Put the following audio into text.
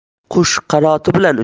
qush qanoti bilan